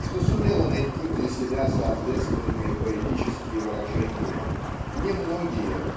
что сумела найти для себя соответственные поэтические выражения не многие